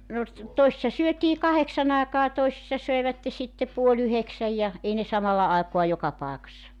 no - toisissa syötiin kahdeksan aikaan toisissa söivät sitten puoli yhdeksän ja ei ne samalla aikaa joka paikassa